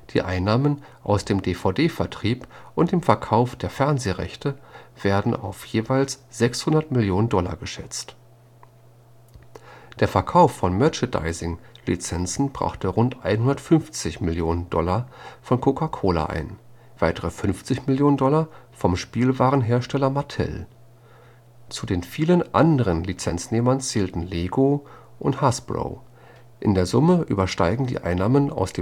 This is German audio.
Einnahmen aus dem DVD-Vertrieb und dem Verkauf der Fernsehrechte werden auf jeweils 600 Mio. $ geschätzt. Der Verkauf von Merchandising-Lizenzen brachte rund 150 Mio. $ von Coca-Cola ein, weitere 50 Mio. $ vom Spielwarenhersteller Mattel. Zu den vielen anderen Lizenznehmern zählen Lego und Hasbro; in der Summe übersteigen die Einnahmen aus